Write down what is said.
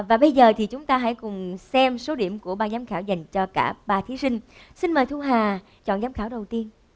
và bây giờ thì chúng ta hãy cùng xem số điểm của ban giám khảo dành cho cả ba thí sinh xin mời thu hà chọn giám khảo đầu tiên